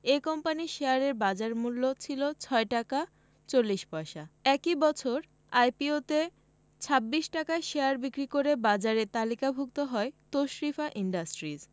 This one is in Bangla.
এ কোম্পানির শেয়ারের বাজারমূল্য ছিল ৬ টাকা ৪০ পয়সা একই বছর আইপিওতে ২৬ টাকায় শেয়ার বিক্রি করে বাজারে তালিকাভুক্ত হয় তশরিফা ইন্ডাস্ট্রিজ